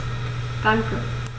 Danke.